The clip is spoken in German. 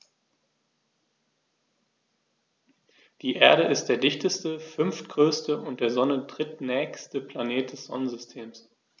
Die Erde ist der dichteste, fünftgrößte und der Sonne drittnächste Planet des Sonnensystems.